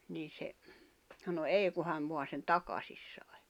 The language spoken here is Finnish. niin se sanoi ei kun hän vain sen takaisin sai